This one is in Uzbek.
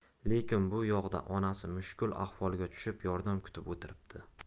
lekin bu yoqda onasi mushkul ahvolga tushib yordam kutib o'tiribdi